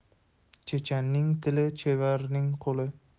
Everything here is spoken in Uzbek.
chechanning tili chevarning qo'li